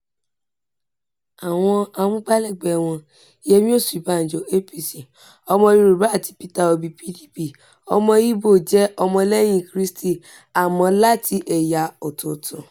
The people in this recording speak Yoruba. Àwọn amúgbálẹ́gbẹ̀ẹ́ wọn – Yẹmí Ọṣìńbàjò (APC), ọmọ Yoruba, àti Peter Obi (PDP), ọmọ Igbo, jẹ́ Ọmọ-lẹ́yìn-in-krístì — àmọ́ láti ẹ̀yà ọ̀tọ̀ọ̀tọ̀.